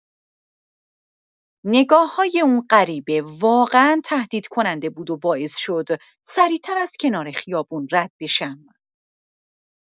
نگاه‌های اون غریبه، واقعا تهدیدکننده بود و باعث شد سریع‌تر از کنار خیابون رد بشم.